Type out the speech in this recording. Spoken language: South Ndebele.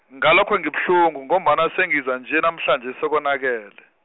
ngalokho ngibuhlungu, ngombana sengiza nje namhlanje sekonakele.